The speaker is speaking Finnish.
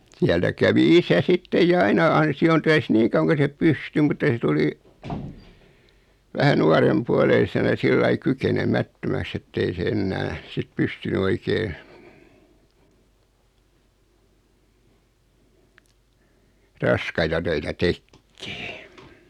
sieltä kävi isä sitten ja aina ansiotöissä niin kauan kun se pystyi mutta se tuli vähän nuoren puoleisena sillä lailla kykenemättömäksi että ei se enää sitten pystynyt oikein raskaita töitä tekemään